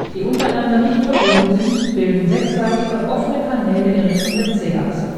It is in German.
die untereinander nicht verbunden sind, bilden sechsseitige, offene Kanäle in Richtung der c-Achse